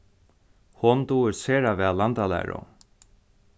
hon dugir sera væl landalæru